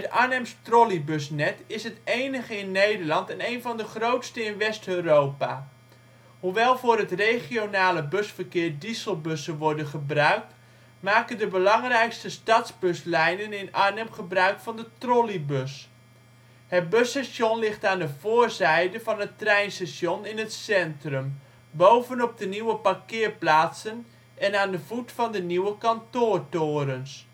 Arnhems trolleybusnet is het enige in Nederland en een van de grootste van West-Europa. Hoewel voor het regionale busverkeer dieselbussen worden gebruikt, maken de belangrijkste stadsbuslijnen in Arnhem gebruik van de trolleybus. Het busstation ligt aan de voorzijde van het treinstation in het centrum, bovenop de nieuwe parkeerplaatsen en aan de voet van de nieuwe kantoortorens